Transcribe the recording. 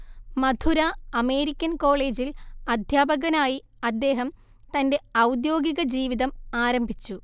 മധുര American കോളെജിൽ അദ്ധ്യാപകനായി അദ്ദേഹം തന്റെ ഔദ്യോഗിക ജീവിതം ആരംഭിച്ചു